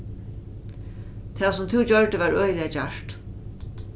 tað sum tú gjørdi var øgiliga djarvt